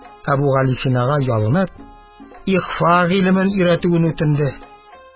Әбүгалисинага ялынып, ихфа гыйлемен өйрәтүен үтенде.